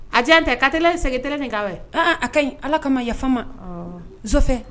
A jan tɛ ka t in sɛt nin ka a ka ɲi ala ka ma yafa ma fɛ